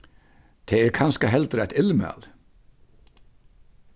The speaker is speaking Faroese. tað er kanska heldur eitt illmæli